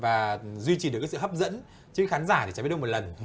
và duy trì được cái sự hấp dẫn chứ khán giả thì chả biết đâu mà lần